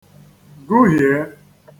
gụhìe